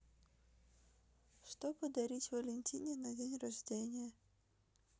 что подарить валентине на день рождения